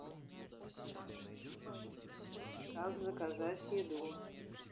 как заказать еду